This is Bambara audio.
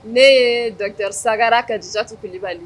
Ne yete sagara kajsatu kulibali